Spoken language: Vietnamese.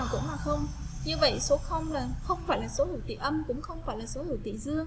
cũng như vậy số không phải là số hữu tỉ âm cũng không phải là số hữu tỉ dương